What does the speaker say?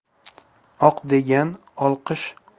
oq degan olqish